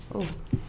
O